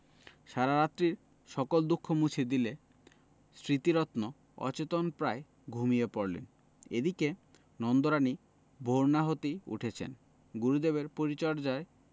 সারারাত্রির সকল দুঃখ মুছে দিলে স্মৃতিরত্ন অচেতনপ্রায় ঘুমিয়ে পড়লেন এদিকে নন্দরানী ভোর না হতেই উঠেছেন গুরুদেবের পরিচর্যায়